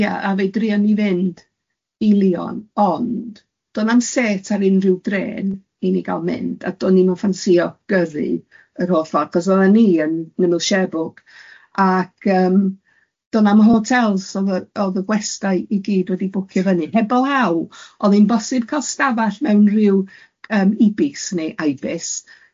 Ia, a fe'i druon ni fynd i Lyon, ond do' na'm set ar unrhyw drên i ni gal mynd, a do' ni'm yn ffansïo gyrru yr holl ffordd, achos oeddan ni yn ymyl Sharebook, ac yym do' na'm hotels, oedd y oedd y gwestai i gyd wedi bwcio fyny, heblaw, oedd hi'n bosib cael stafell mewn ryw ym Ibis neu Ibis. Oh.